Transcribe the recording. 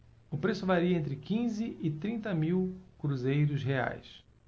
o preço varia entre quinze e trinta mil cruzeiros reais